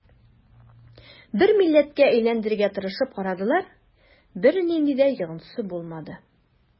Бер милләткә әйләндерергә тырышып карадылар, бернинди дә йогынтысы булмады.